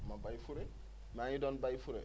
ma béy fure maa ngi doon béy fure